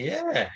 Ie!